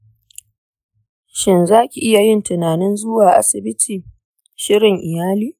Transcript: shin za ki iya yin tunanin zuwa asibitin shirin iyali?